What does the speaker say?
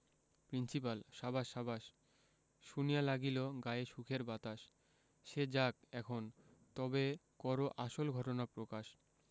principal সাবাস সাবাস শুনিয়া লাগিল গায়ে সুখের বাতাস সে যাক এখন তবে করো আসল ঘটনা প্রকাশ